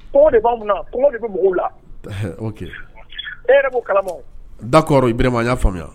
De b'a de bɛ la o e yɛrɛ da kɔrɔb y'a faamuyamu